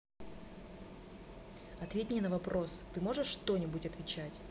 ответь мне на вопрос ты можешь что нибудь отвечать